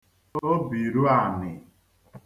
obìruànì